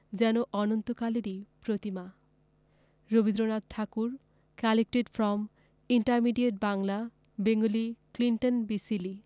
যেন অনন্তকালেরই প্রতিমা Rabindranath Thakur collected from intermediate Bangla Bengali Clinton B Seely